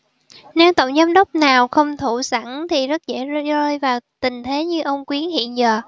nếu tổng giám đốc nào không thủ sẵn thì rất dễ rơi vào tình thế như ông quyến hiện giờ